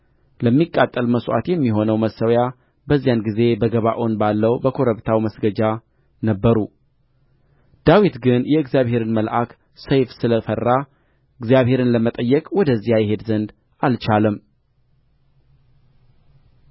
ለሚቃጠል መሥዋዕት የሚሆነው መሠዊያ በዚያን ጊዜ በገባዖን ባለው በኮረብታው መስገጃ ነበሩ ዳዊት ግን የእግዚአብሔርን መልአክ ሰይፍ ስለ ፈራ እግዚአብሔርን ለመጠየቅ ወደዚያ ይሄድ ዘንድ አልቻለም